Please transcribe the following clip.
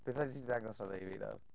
Bydd raid i ti ddangos hwnna i fi though.